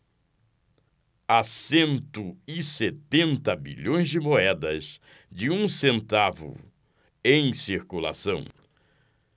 há cento e setenta bilhões de moedas de um centavo em circulação